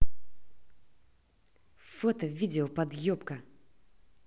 фото видео подъебка